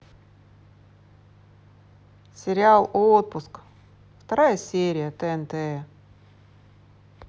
сериал отпуск вторая серия тнт